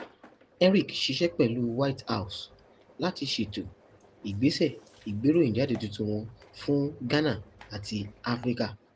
Erik ṣiṣẹ́ pẹ̀lú White House láti ṣètò ìgbésẹ̀ ìgbéròyìnjáde tuntun wọn fún Ghana àti Áfíríkà .